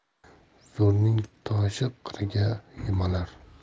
zo'rning toshi qirga yumalar